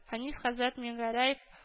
Фәнис хәзрәт Мингәрәев